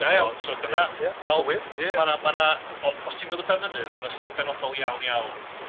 Mae 'na... mae 'na, os ti'n dod o Benmynydd, mae 'na ystyr benodol iawn, iawn...